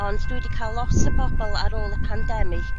Ond dwi 'di ca'l lot o bobol ar ôl y pandemic